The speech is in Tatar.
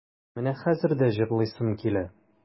Менә хәзер дә җырлыйсым килә.